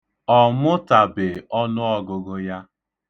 Ọ mụtabe ọnụọgụgụ ya.